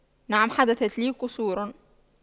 نعم حدثت لي كسور